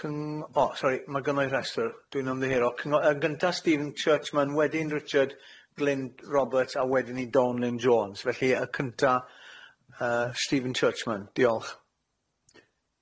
Cyng- o sori ma' gynno i restr dwi'n ymddiheuro cyngo- yy gynta Stephen Church ma'n wedyn Richard Glyn Roberts a wedyn i Dawn Lyn Jones felly y cynta Yy Stephen Churchman diolch.